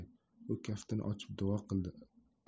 u kaftini ochib duo qildi